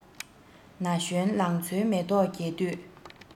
ན གཞོན ལང ཚོའི མེ ཏོག རྒྱས དུས